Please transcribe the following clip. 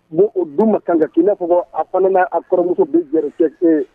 Bon o dun ma kan ka k'i n'a fɔ a fana n'a kɔrɔmuso bɛ gari ye